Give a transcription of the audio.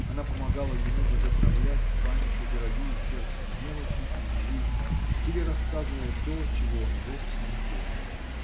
Она помогала ему возобновлять в памяти дорогие сердцу мелочи из жизни или рассказывала то чего он вовсе не помнил.